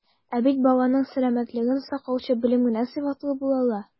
Ә бит баланың сәламәтлеген саклаучы белем генә сыйфатлы була ала.